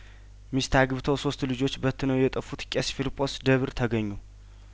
ሚስት አግብተው ሶስት ልጆች በትነው የጠፉት ቄስ ፊሊጶስ ደብር ተገኙ